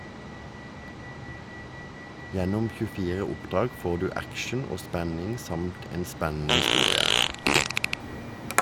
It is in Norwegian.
Gjennom 24 oppdrag får du action og spenning samt en spennende historie.